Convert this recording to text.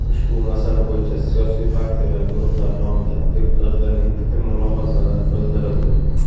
ushbu masala bo'yicha siyosiy partiyalar guruhlari nomidan deputatlarning fikr mulohazalari bildirildi